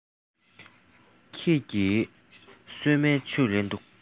ཁྱེད ཀྱིས གསོལ སྨན མཆོད རན འདུག